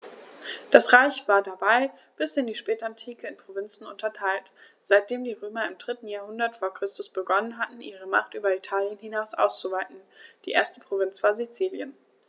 Das Reich war dabei bis in die Spätantike in Provinzen unterteilt, seitdem die Römer im 3. Jahrhundert vor Christus begonnen hatten, ihre Macht über Italien hinaus auszuweiten (die erste Provinz war Sizilien).